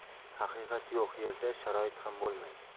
haqiqat yo'q yerda sharoit ham bo'lmaydi